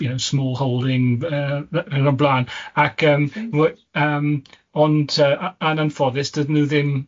you know, smallholding yy, yn o blaen, ac yym ro- yym, ond yy a- yn an- anffo dydyn nhw ddim